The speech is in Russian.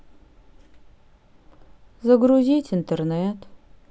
загрузить интернет